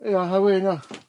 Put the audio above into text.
Ia Haloween ia.